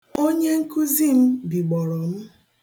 Onyenkụzi m bigbọrọ m.